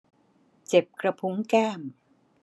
เจ็บกระพุ้งแก้ม